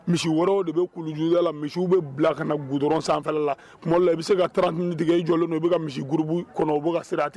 Misi wɔɔrɔw de bɛ kulujuya la misiw bɛ bila ka g dɔrɔn sanfɛ la i bɛ se ka ta nitigɛ jɔ u bɛ misikurubu kɔnɔ u bɛ ka siratigɛ